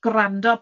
gwrando.